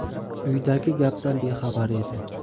uydagi gapdan bexabar edi